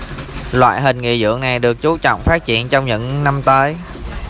loại hình nghỉ dưỡng này được chú trọng phát triển trong những năm tới